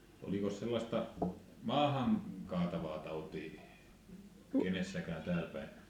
olikos sellaista maahan kaatavaa tautia kenessäkään täälläpäin